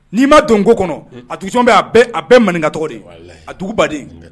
N'i ma don nko kɔnɔ a dugu caaman bɛ yen, a bɛɛ maninka tɔgɔ de ye a dugubaden